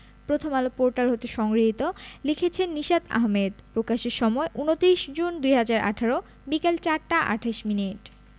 Prothom Alo portal হতে সংগৃহীত লিখেছেন নিশাত আহমেদ প্রকাশের সময় ২৯ জুন ২০১৮ বিকেল ৪টা ২৮ মিনিট